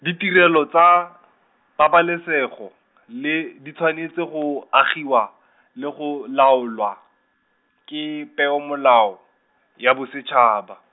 ditirelo tsa , pabalesego, le di tshwanetse go, agiwa , le go laolwa, ke Peomolao, ya bosetšhaba.